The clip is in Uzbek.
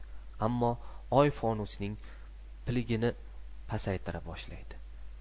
ammo oy fonusining piligini pasaytira boshlaydi